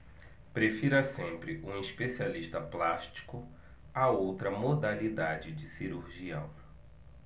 prefira sempre um especialista plástico a outra modalidade de cirurgião